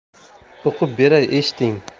o'qib beray eshiting